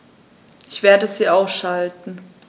Ich werde sie ausschalten